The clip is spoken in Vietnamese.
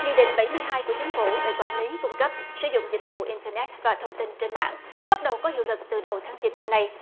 nghị định bảy mươi hai của chính phủ về quản lý cung cấp sử dụng dịch vụ in tơ nét và thông tin trên mạng bắt đầu có hiệu lực từ đầu tháng chín năm nay